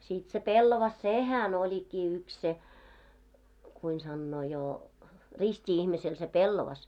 siitä se pellava sehän olikin yksi se kuinka sanoo jo risti ihmisellä se pellava